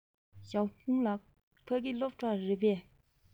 ཞའོ ཧྥུང ལགས ཕ གི སློབ ཕྲུག རེད པས